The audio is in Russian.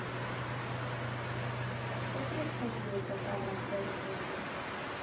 что происходило за кадром в гарри поттере